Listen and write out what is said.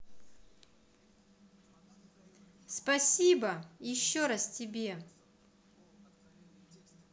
спасибо еще раз тебе